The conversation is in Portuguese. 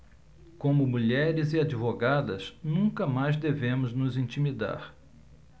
como mulheres e advogadas nunca mais devemos nos intimidar